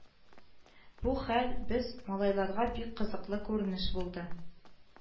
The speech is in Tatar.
Бу хәл без, малайларга, бик кызыклы күренеш булды